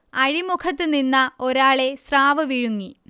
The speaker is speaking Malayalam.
അഴിമുഖത്ത് നിന്ന ഒരാളെ സ്രാവ് വിഴുങ്ങി